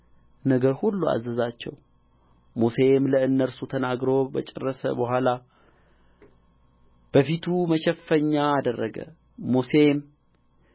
ነገር ሁሉ አዘዛቸው ሙሴም ለእነርሱ ተናግሮ ከጨረሰ በኋላ በፊቱ መሸፈኛ አደረገ ሙሴም